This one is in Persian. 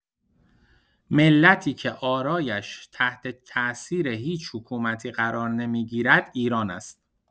ملتی که آرایش تحت‌تاثیر هیچ حکومتی قرار نمی‌گیرد، ایران است.